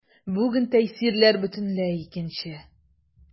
Бүген тәэсирләр бөтенләй икенче.